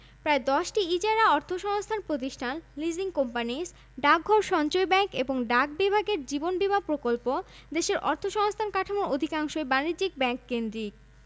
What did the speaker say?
বাংলাদেশ সমবায় ব্যাংক সকল ধরনের সমবায় প্রতিষ্ঠানের শীর্ষ সমন্বয়কারী ও নিয়ন্ত্রণ সংস্থা এছাড়াও প্রায় ১ হাজার ২০০ এনজিও ক্ষুদ্র্ ঋণ দানকারী প্রতিষ্ঠান মাঠপর্যায়ে উন্নয়ন কর্মকান্ডে নিয়োজিত রয়েছে